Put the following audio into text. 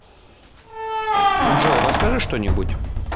джой расскажи чего нибудь